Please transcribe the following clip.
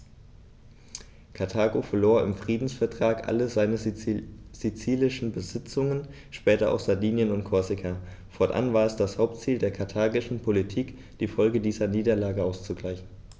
Karthago verlor im Friedensvertrag alle seine sizilischen Besitzungen (später auch Sardinien und Korsika); fortan war es das Hauptziel der karthagischen Politik, die Folgen dieser Niederlage auszugleichen.